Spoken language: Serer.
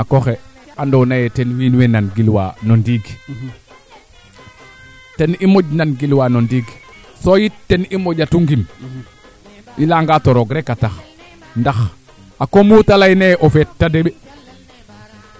to nan naaga tena fiyaa kaaga ñako reefan systeme meteologique fee ñako reefan kee ando naye ten mengooru fo ndiing ne ando naye ten i mbaam ru kaaga ten waral u tiga ga